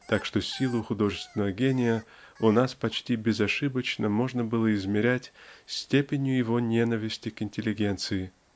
так что силу художественного гения у нас почти безошибочно можно было измерять степенью его ненависти к интеллигенции